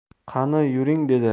qani yuring dedi